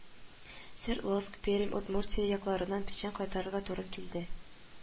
Свердловск, Пермь, Удмуртия якларыннан печән кайтарырга туры килде